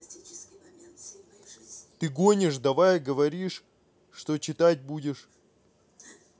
ты гонишь давай говоришь что читать будешь